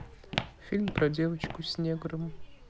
фильм про девочку с негром